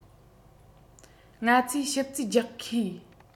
ང ཚོས ཞིབ རྩིས རྒྱག མཁས